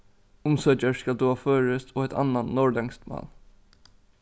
umsøkjari skal duga føroyskt og eitt annað norðurlendskt mál